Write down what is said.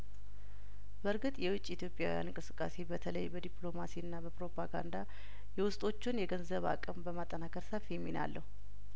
በእርግጥ የውጭ ኢትዮጵያውያን እንቅስቃሴ በተለይ በዲፕሎማሲና በፕሮፓጋንዳ የውስጦቹን የገንዘብ አቅም በማጠናከር ሰፊ ሚና አለው